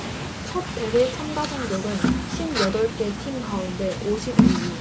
첫 대회 참가 성적은 쉰 여덟 개 팀 가운데 오십 이 위